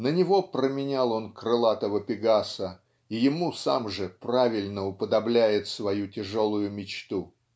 на него променял он крылатого Пегаса и ему сам же правильно уподобляет свою тяжелую мечту.